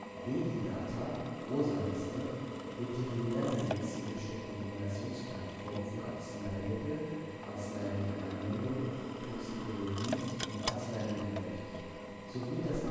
VETIDATA / Rosa Liste: Veterinärmedizinsche Informationsplattform für Arzneimittel, Arzneimittelanwendung, Toxikologie und Arzneimittelrecht Arzneimittelkursbuch